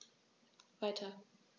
Weiter.